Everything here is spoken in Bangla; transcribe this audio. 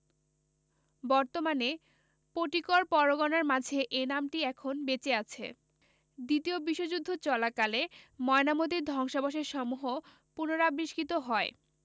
বর্তমানে পটিকর পরগনার মাঝে এ নামটি এখন বেঁচে আছে দ্বিতীয় বিশ্বযুদ্ধ চলাকালে ময়নামতীর ধ্বংসাবশেষসমূহ পুনরাবিষ্কৃত হয়